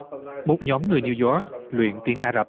một nhóm người niu doóc luyện tiếng ả rập